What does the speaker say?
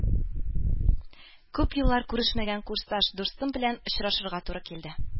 Күп еллар күрешмәгән курсташ дустым белән очрашырга туры килде